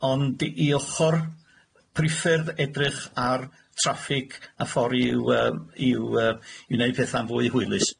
ond i- i ochor priffyrdd edrych ar traffig y ffor i'w y- i'w y- i wneud petha'n fwy hwylus.